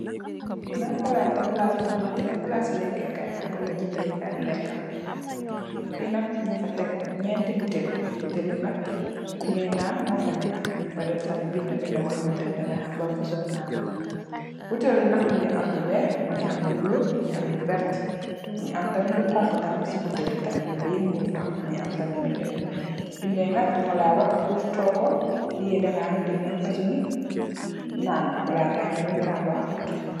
finak brabla brabi lekekai la Wala jandekai leke finak njungfa teke njenti putal butalyi nak lunjoye nane mofaneke mugi am mandarga yu lai wan lan mofaneke balanga nane lohamut